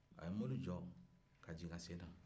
a ye mobili jɔ ka n'a senna